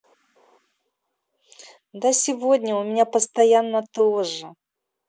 да сегодня у меня постоянно тоже